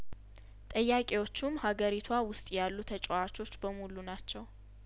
ጠያቂ ዎቹም ሀገሪቷ ውስጥ ያሉ ተጫዋቾች በሙሉ ናቸው